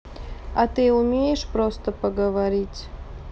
а ты умеешь просто поговорить